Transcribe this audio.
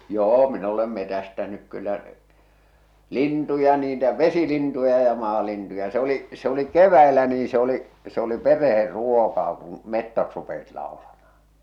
joo min olen metsästänyt kyllä lintuja niitä vesilintuja ja maalintuja se oli se oli keväällä niin se oli se oli perheen ruokaa kun metsot rupesivat laulamaan